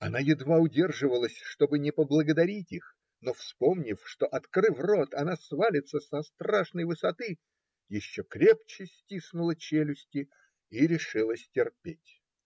Она едва удержалась, чтобы не поблагодарить их, но вспомнив, что, открыв рот, она свалится со страшной высоты, еще крепче стиснула челюсти и решилась терпеть.